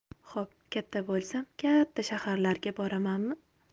xo'p katta bo'lsam kaaatta shaharlarga boramanmi